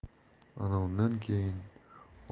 ana undan keyin